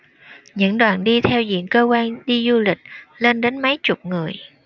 những đoàn đi theo diện cơ quan đi du lịch lên đến mấy chục người